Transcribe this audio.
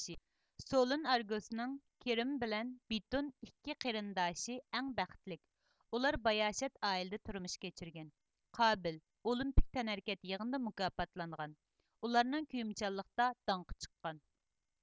سولۇن ئارگوسنىڭ كىرىم بىلەن بتون ئىككى قېرىنداشى ئەڭ بەختلىك ئۇلار باياشات ئائىلىدە تۇرمۇش كۆچۈرگەن قابىل ئولىمپىك تەنھەرىكەت يىغىنىدا مۇكاپاتلانغان ئۇلارنىڭ كۆيۈمچانلىقتا داڭقى چىققان